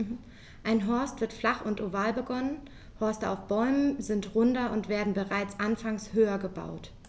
Ein Horst wird flach und oval begonnen, Horste auf Bäumen sind runder und werden bereits anfangs höher gebaut.